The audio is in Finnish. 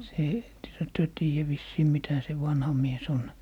se ettehän te tiedä vissiin mitä se vanha mies on